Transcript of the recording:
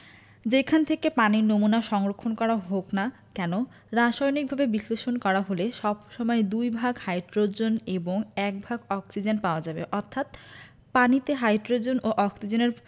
যেখান থেকে পানির নমুনা সংরক্ষন করা হোক না কেন রাসায়নিকভাবে বিশ্লেষণ করা হলে সব সময় দুই ভাগ হাইড্রোজন এবং এক ভাগ অক্সিজেন পাওয়া যাবে অর্থাৎ পানিতে হাইড্রোজন ও অক্সিজেনের